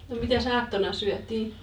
no mitäs aattona syötiin